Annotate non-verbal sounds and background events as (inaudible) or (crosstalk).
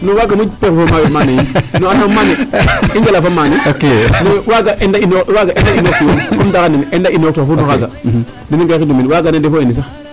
Non waaga moƴ (unintelligible) Mané yiin (laughs) non Mané i njala fo Mané waaga (laughs) comme ndaxar nene Inde a inoortu comme ndaxar nene den na ngariidu mene nandee fo wene sax .